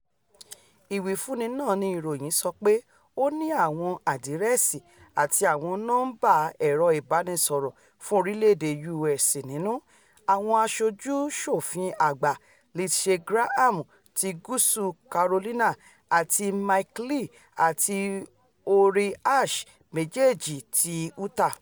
Ìwífúnni náà ni ìròyìn sọ pé ó ní àwọn àdírẹ́sì àti àwọn nọmba ẹẹrọ ìbànisϙrϙ fún orílẹ̀-èdè U.S. nínú. Àwọn aṣojú-ṣòfin àgbà Lindsey Graham ti Gúúsú Carolina, àti Mike Lee àti Orrin Hatch, méjèèjì ti Utah.